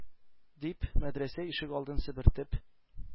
Дип, мәдрәсә ишек алдын себертеп,